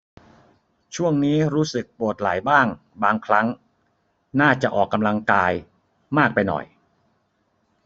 ช่วงนี้รู้สึกปวดไหล่บ้างบางครั้งน่าจะออกกำลังกายมากไปหน่อย